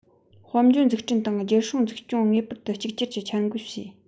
དཔལ འབྱོར འཛུགས སྐྲུན དང རྒྱལ སྲུང འཛུགས སྐྱོང ངེས པར དུ གཅིག གྱུར གྱིས འཆར འགོད བྱས